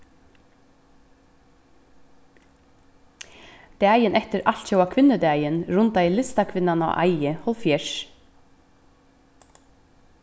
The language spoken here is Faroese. dagin eftir altjóða kvinnudagin rundaði listakvinnan á eiði hálvfjerðs